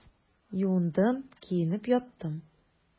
Юындым, киенеп яттым.